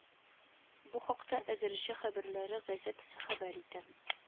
Бу хакта әгерҗе хәбәрләре газетасы хәбәр итә